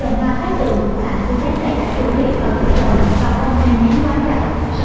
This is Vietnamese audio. để trồng hoa cát tường bạn cho giá thể đã chuẩn bị vào chậu trồng và không nên nén quá chặt